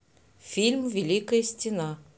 фильм великая стена